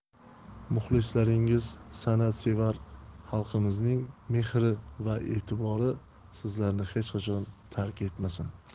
muxlislaringiz san'at sevar xalqimizning mehri va e'tibori sizlarni hech qachon tark etmasin